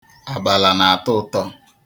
Abala na-atọ ụtọ.